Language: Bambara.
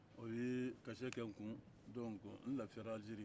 o ye tanpon kɛ n kun dɔnku n lafiyara alizeri